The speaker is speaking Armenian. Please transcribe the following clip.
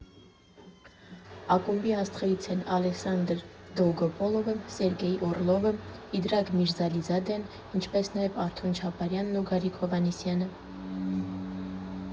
Ակումբի աստղերից են Ալեքսանդր Դոլգոպոլովը, Սերգեյ Օռլովը, Իդրակ Միրզալիզադեն, ինչպես նաև Արթուր Չապարյանն ու Գարիկ Հովհաննիսյանը։